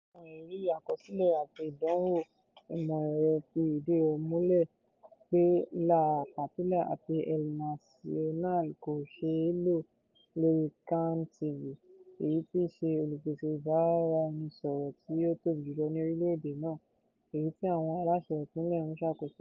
Àwọn ẹ̀rí àkọsílẹ̀ àti ìdánwò ìmọ̀ ẹ̀rọ fi ìdí rẹ̀ múlẹ̀ pé La Patilla àti El Nacional kò ṣeé lò lórí CANTV, èyí tí í ṣe olùpèsè ìbáraẹnisọ̀rọ̀ tí ó tóbi jùlọ ní orílẹ̀ èdè náà, èyí tí àwọn aláṣẹ ìpínlè ń ṣàkóso rẹ̀.